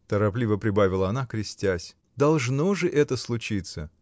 — торопливо прибавила она, крестясь. — Должно же это случиться.